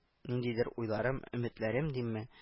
Ниндидер уйларым, өметләрем димме